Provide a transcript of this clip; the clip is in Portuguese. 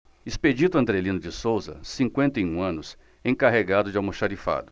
expedito andrelino de souza cinquenta e um anos encarregado de almoxarifado